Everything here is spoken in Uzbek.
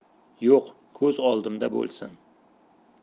yo'q ko'z oldimda bo'lsin